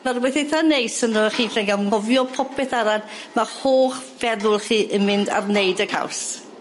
Ma' rwbeth eitha neis ynddo fe chi 'lly anghofio popeth arall ma' holl feddwl chi yn mynd ar wneud y caws.